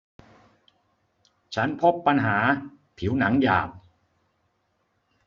ฉันพบปัญหาผิวหนังหยาบ